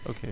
ok